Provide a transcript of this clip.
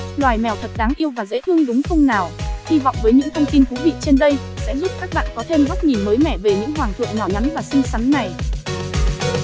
loài mèo thật đáng yêu và dễ thương đúng không nào hy vọng với những thông tin thú vị trên đây sẽ giúp các bạn có thêm góc nhìn mới mẻ về những hoàng thượng nhỏ nhắn và xinh xắn này